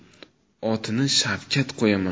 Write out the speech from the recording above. otini shavkat qo'yaman